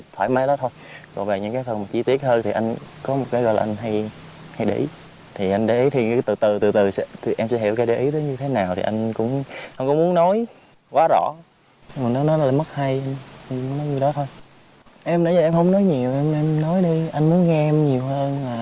thoải mái đó thôi con về những cái phần mà chi tiết hơn thì anh có một cái gọi là anh hay hay để ý thì anh để ý thì cứ từ từ từ từ em sẽ hiểu ra cái để ý đấy như thế nào thì anh cũng không muốn nói quá rõ nhưng mà nói lại mất hay nên muốn nói nhiêu đó thôi em nãy giờ em không nói nhiều nên em nói đi anh muốn nghe em nhiều hơn và